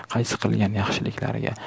qaysi qilgan yaxshiliklariga